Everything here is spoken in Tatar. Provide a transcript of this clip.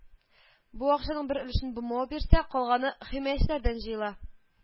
Бу акчаның бер өлешен БэМэО бирсә, калганы химаячеләрдән җыела